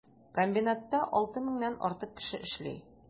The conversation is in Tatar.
Комбинатта 6 меңнән артык кеше эшли.